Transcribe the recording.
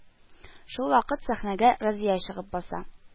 Шул вакыт сәхнәгә Разия чыгып баса